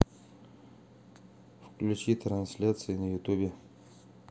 включи трансляцию на ютубе